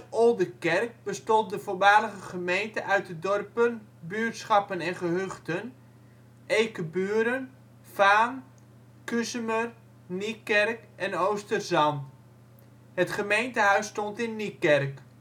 Oldekerk bestond de voormalige gemeente uit de dorpen, buurtschappen en gehuchten: Eekeburen, Faan, Kuzemer, Niekerk en Oosterzand. Het gemeentehuis stond in Niekerk